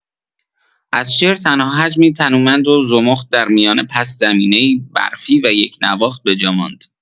از شعر تنها حجمی تنومند و زمخت در میان پس زمینه‌ای برفی و یکنواخت به جا ماند.